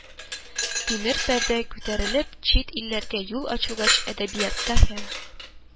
«тимер пәрдә» күтәрелеп, чит илләргә юл ачылгач, әдәбиятта һәм